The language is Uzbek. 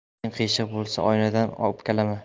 afting qiyshiq bo'lsa oynadan o'pkalama